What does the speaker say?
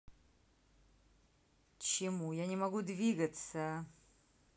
чему я не могу двигаться